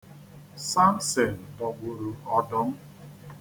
Samson dọgburu ọdụm.